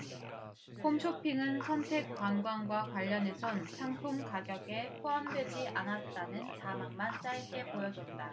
홈쇼핑은 선택관광과 관련해선 상품 가격에 포함되지 않았다는 자막만 짧게 보여줬다